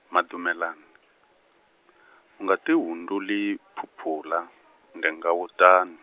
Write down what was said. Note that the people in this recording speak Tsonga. Madumelani, u nga tihundzuli phuphula, ndzhengha wo tan-.